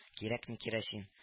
Кирәкми керосин